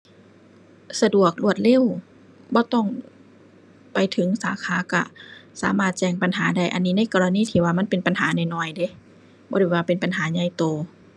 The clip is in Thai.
สะดวกรวดเร็ว บ่ต้องไปถึงสาขาก็สามารถแจ้งปัญหาได้ อันนี้ในกรณีที่ว่ามันเป็นปัญหาน้อยน้อยเดะ บ่ได้ว่าเป็นปัญหาใหญ่โต